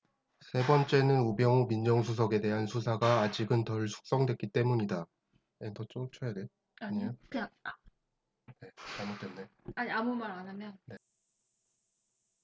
세 번째는 우병우 민정수석에 대한 수사가 아직은 덜 숙성됐기 때문이다